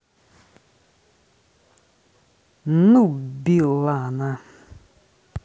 ну билана